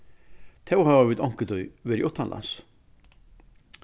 tó hava vit onkuntíð verið uttanlands